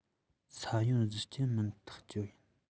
ས ཡོམ རྒྱུ རྐྱེན མིན ཐག གཅོད ཡིན